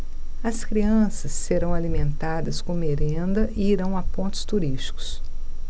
as crianças serão alimentadas com merenda e irão a pontos turísticos